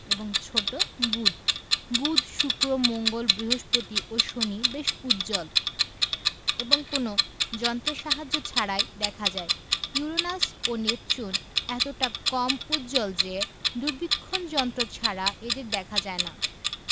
এবং ছোট বুধ বুধ শুক্র মঙ্গল বৃহস্পতি ও শনি বেশ উজ্জ্বল এবং কোনো যন্ত্রের সাহায্য ছাড়াই দেখা যায় ইউরেনাস ও নেপচুন এতটা কম উজ্জ্বল যে দূরবীক্ষণ ছাড়া এদের দেখা যায় না